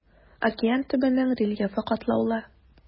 Океан төбенең рельефы катлаулы.